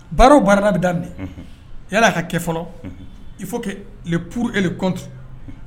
Baw baarada bɛ daminɛ yala'a ka kɛ fɔlɔ i fo puruur e kɔn